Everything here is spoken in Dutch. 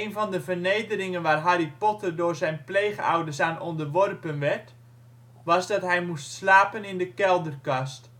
van de vernederingen waar Harry Potter door zijn pleegouders aan onderworpen werd, was dat hij moest slapen in de kelderkast